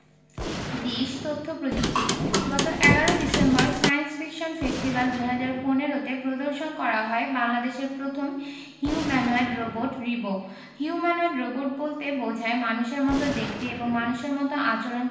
২০ তথ্য প্রযুক্তি গত ১১ ডিসেম্বর সায়েন্স ফিকশন ফেস্টিভ্যাল ২০১৫ তে প্রদর্শন করা হয় বাংলাদেশের প্রথম humanoid robot Ribo humanoid robot বলতে বোঝায় মানুষের মতো দেখতে এবং মানুষের মতো আচরণ